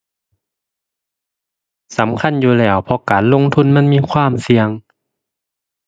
สำคัญอยู่แล้ว เพราะการลงทุนมันมีความเสี่ยง